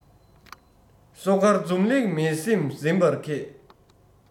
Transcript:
སོ དཀར འཛུམ ལེགས མི སེམས འཛིན པར མཁས